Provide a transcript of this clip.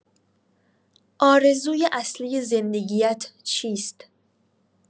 آرزوی اصلی زندگی‌ات چیست؟